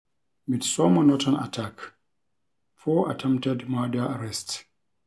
Midsomer Norton attack: Four attempted murder arrests